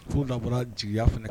' bɔra jigiya fana